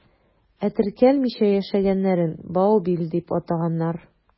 Ә теркәлмичә яшәгәннәрен «баубил» дип атаганнар.